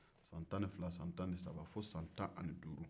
san tan ni fila san tan ni saba fo san tan ani duuru